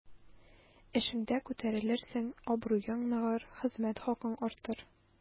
Эшеңдә күтәрелерсең, абруең ныгыр, хезмәт хакың артыр.